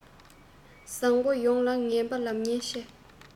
བཟང པོ ཡོངས ལ ངན པ ལབ ཉེན ཆེ